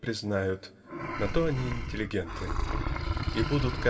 не признают -- на то они и интеллигенты -- и будут